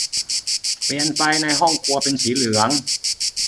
เปลี่ยนไฟในห้องครัวเป็นสีเหลือง